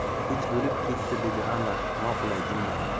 kech bo'lib ketdi dedi anvar noqulay jilmayib